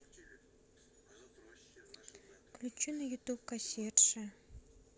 включи на ютуб кассирши